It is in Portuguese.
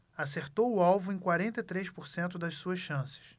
acertou o alvo em quarenta e três por cento das suas chances